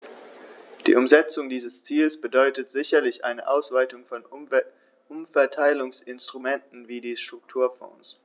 Die Umsetzung dieses Ziels bedeutet sicherlich eine Ausweitung von Umverteilungsinstrumenten wie die Strukturfonds.